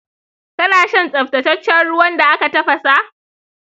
kana shan tsaftataccen ruwan da aka tafasa?